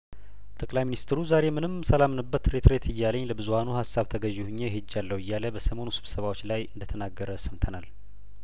ጠቅላይ ሚኒስትሩ ዛሬ ምንም ሳላምንበት ሬት ሬት እያለኝ ለብዙሀኑ ሀሳብ ተገዥ ሆኜ ሄጃለሁ እያለ በሰሞኑ ስብሰባዎች ላይ እንደተናገረ ሰምተናል